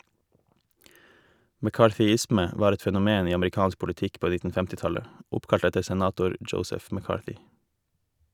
«McCarthyisme» var et fenomen i amerikansk politikk på 1950-tallet , oppkalt etter senator Joseph McCarthy.